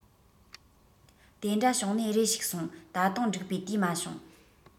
དེ འདྲ བྱུང ནས རེ ཞིག སོང ད དུང འགྲིག པའི དུས མ བྱུང